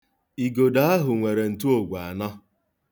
Igodo ahụ nwere ntụogwe anọ.